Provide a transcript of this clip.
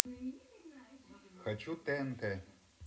хочу тнт